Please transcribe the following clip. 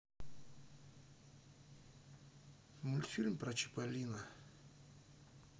мультфильм про чиполлино